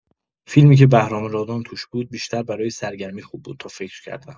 فیلمی که بهرام رادان توش بود، بیشتر برای سرگرمی خوب بود تا فکر کردن.